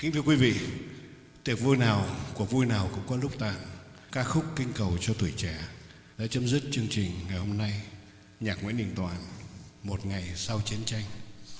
kính thưa quý vị tiệc vui nào cuộc vui nào cũng có lúc tàn ca khúc kinh cầu cho tuổi trẻ đã chấm dứt chương trình ngày hôm nay nhạc nguyễn đình toàn một ngày sau chiến tranh